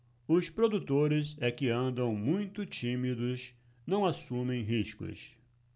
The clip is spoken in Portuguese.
os produtores é que andam muito tímidos não assumem riscos